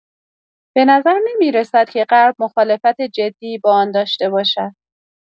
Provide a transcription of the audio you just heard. به نظر نمی‌رسد که غرب مخالفت جدی با آن داشته باشد.